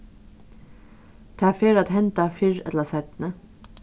tað fer at henda fyrr ella seinni